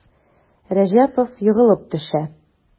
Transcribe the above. Рәҗәпов егылып төшә.